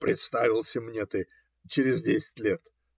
Представился мне ты через десять лет